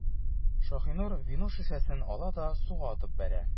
Шаһинур вино шешәсен ала да суга атып бәрә.